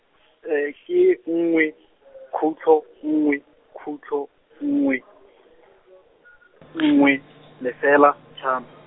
ke nngwe, khutlo, nngwe, khutlo, nngwe , nngwe, lefela, tlhano.